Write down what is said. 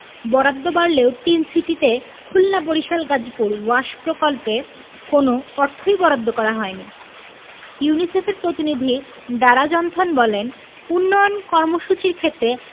বরাদ্দ বাড়লেও তিন সিটিতে খুলনা বরিশাল গাজীপুর ওয়াশ প্রকল্পে কোনো অর্থই বরাদ্দ করা হয়নি ইউনিসেফের প্রতিনিধি ডারা জনথন বলেন উন্নয়ন কর্মসূচির ক্ষেত্রে